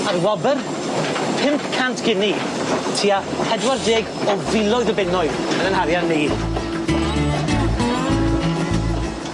A'r wobr? Pump cant guinea, tua pedwar deg o filoedd o bunnoedd yn 'yn harian ni.